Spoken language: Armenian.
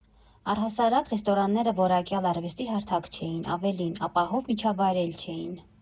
«Առհասարակ, ռեստորանները որակյալ արվեստի հարթակ չէին, ավելին՝ ապահով միջավայր էլ չէին։